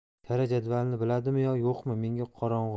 karra jadvalni biladimi yo yo'qmi menga qorong'i